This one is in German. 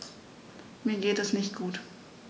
Mir geht es nicht gut.